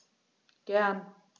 Gern.